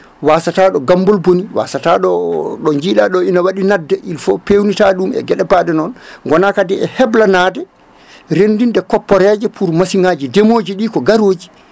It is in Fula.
wasata ɗo gambol booni wasata ɗo jiiɗa ɗo ina waɗi nadde il faut pewnita ɗum e gueɗe mbaɗe noon gona kadi e heblanade rendinde copareje pour machine aji ndemoji ɗi ko garoji